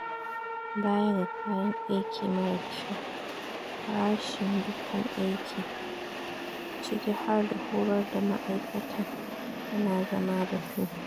Baya ga kayan aiki mara kyau, farashin dukan aikin - ciki har da horar da ma'aikatan - yana zama batun.